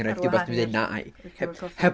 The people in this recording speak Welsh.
Ar wahân i'r liqueur coffee 'ma.